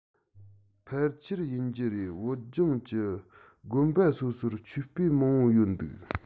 ཕལ ཆེར ཡིན གྱི རེད བོད ལྗོངས ཀྱི དགོན པ སོ སོར ཆོས དཔེ མང པོ ཡོད འདུག